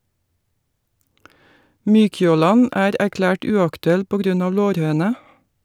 Mykjåland er erklært uaktuell på grunn av lårhøne.